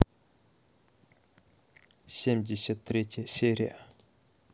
семьдесят третья серия